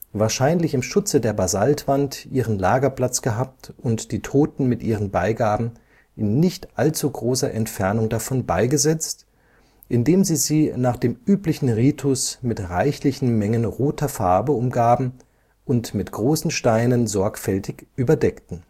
wahrscheinlich im Schutze der Basaltwand, ihren Lagerplatz gehabt und die Toten mit ihren Beigaben in nicht allzu großer Entfernung davon beigesetzt, indem sie sie nach dem üblichen Ritus mit reichlichen Mengen roter Farbe umgaben und mit großen Steinen sorgfältig überdeckten